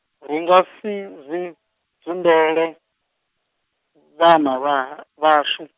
ri nga si zwi, dzumbele, vhana vha vhashu.